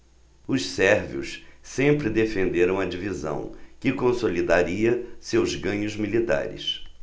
os sérvios sempre defenderam a divisão que consolidaria seus ganhos militares